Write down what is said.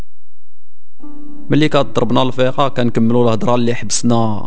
ملك الطرب